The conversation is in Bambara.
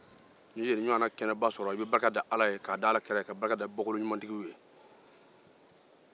n'i ye nin ɲɔgɔnna kɛnɛ sɔrɔ i be barka da ala n'a kira ani bɔkoloɲumantigiw ye